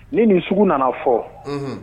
Ne nin sugu nana fɔ